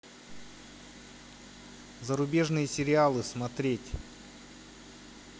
зарубежные сериалы смотреть